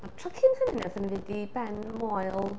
A'r tro cyn hynny, naethon ni fynd i ben Moel...